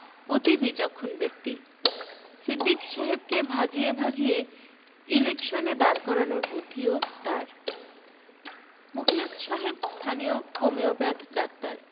অতি বিচক্ষণ ব্যক্তি সিদ্দিক সাহেবকে ভাজিয়ে ভাজিয়ে ইলেকশনে দাঁড় করানোর বুদ্ধিও তাঁর মুখলেস সাহেব স্থানীয় হোমিও প্যাথডাক্তার